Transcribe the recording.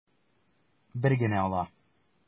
Бер генә ала.